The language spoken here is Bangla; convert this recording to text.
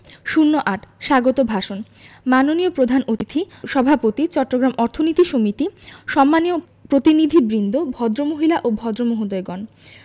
০৮ স্বাগত ভাষণ মাননীয় প্রধান অতিথি সভাপতি চট্টগ্রাম অর্থনীতি সমিতি সম্মানীয় প্রতিনিধিবৃন্দ ভদ্রমহিলা ও ভদ্রমহোদয়গণ